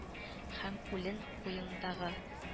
Һәм үлен куенындагы